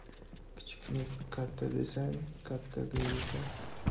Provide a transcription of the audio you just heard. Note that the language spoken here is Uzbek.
kichikni katta desang kattaga yetar